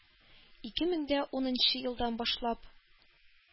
Ике мең дә унынчы елдан башлап